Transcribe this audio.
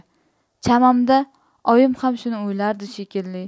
chamamda oyim ham shuni o'ylardi shekilli